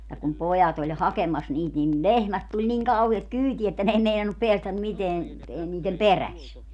ja kun pojat oli hakemassa niitä niin lehmät tuli niin kauheaa kyytiä että ne ei meinannut päästä mitään ei niiden perässä